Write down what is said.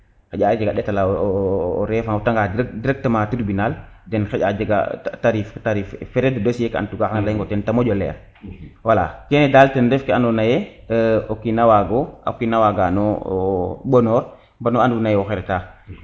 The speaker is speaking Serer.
xaƴa a jega ndata la o refa o reta nga directement trubinal den xaƴa tarif tarif frais de dossier ke dal en tout cas xan ley ngo ten te moƴo leer wala kene dal ten ref ke ando naye o kina wago o kina wagano mbonor banu ando naye waxey reta